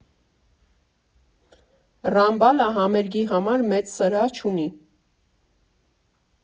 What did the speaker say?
Ռամբալը համերգի համար մեծ սրահ չունի.